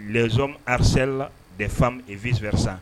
Les hommes harcèlent les femmes. Vice-versa